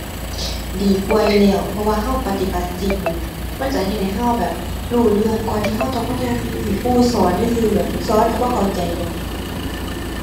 ดีกว่าอยู่แล้ว เพราะว่าเราปฏิบัติจริงอะ มันเราเฮ็ดให้เราแบบ รู้เรื่องกว่าที่เราต้องมานั่งให้ครูสอนซื่อซื่อแบบ สอนเราบ่เข้าใจดอก